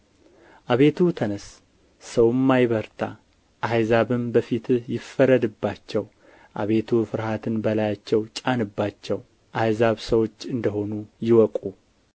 አቤቱ ተነሥ ሰውም አይበርታ አሕዛብም በፊትህ ይፈረድባቸው አቤቱ ፍርሃትን በላያቸው ጫንባቸው አሕዛብ ሰዎች እንደ ሆኑ ይወቁ